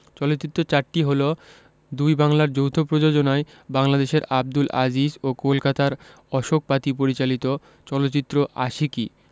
চলচ্চিত্র চারটি হলো দুই বাংলার যৌথ প্রযোজনায় বাংলাদেশের আবদুল আজিজ ও কলকাতার অশোক পাতি পরিচালিত চলচ্চিত্র আশিকী